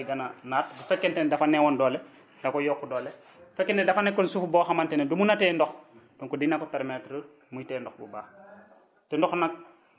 non seulement suuf si dafay gën a naat su fekente ne dafa néewoon doole dakoy yokk doole su fekkee ne dafa nekkoon suufboo xamante ne du mun a téye ndox donc dina ko permettre muy téye ndox bi bu baax